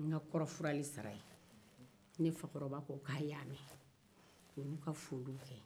ne fakɔrɔba ko k'a ye a mɛn u y'u ka foliw kɛ